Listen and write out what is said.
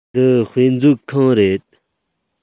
འདི དཔེ མཛོད ཁང རེད